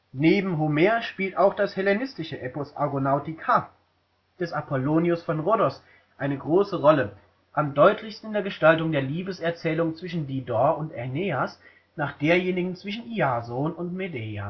Neben Homer spielt auch das hellenistische Epos Argonautika des Apollonios von Rhodos eine große Rolle, am deutlichsten in der Gestaltung der Liebeserzählung zwischen Dido und Aeneas nach derjenigen zwischen Jason und Medea